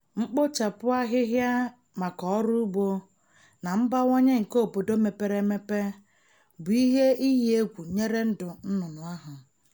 Mkpochapụ ahịhịa maka ọrụ ugbo na mbawanye nke obodo mepere emepe bụ ihe iyi egwu nyere ndụ nnụnụ ahụ.